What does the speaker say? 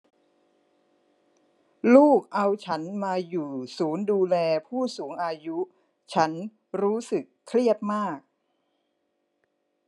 ลูกเอาฉันมาอยู่ศูนย์ดูแลผู้สูงอายุฉันรู้สึกเครียดมาก